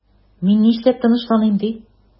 Мин нишләп тынычланыйм ди?